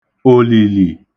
òlìlì